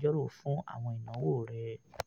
ìnáwó rẹ.